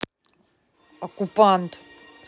оккупант